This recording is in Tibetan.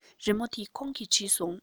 རི མོ འདི ཁོང གིས བྲིས སོང